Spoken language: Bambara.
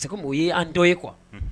Safɛ komi o y'an dɔ ye quoi unhun.